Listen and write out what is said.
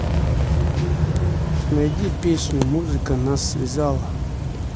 найди песню музыка нас связала